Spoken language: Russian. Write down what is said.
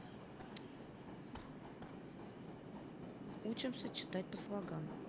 учимся читать по слогам